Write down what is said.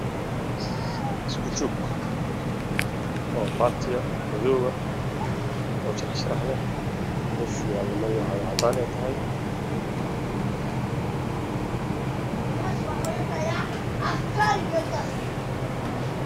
Isku joog bati ah oo madow ah oo sharax sharraxyo leh oo aada u qurux badan